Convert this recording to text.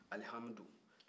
alihamudu